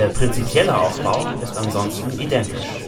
prinzipielle Aufbau ist ansonsten identisch